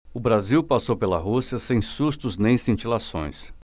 o brasil passou pela rússia sem sustos nem cintilações